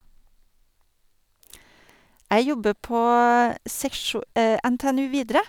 Jeg jobber på seksjo NTNU Videre.